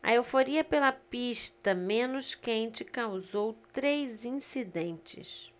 a euforia pela pista menos quente causou três incidentes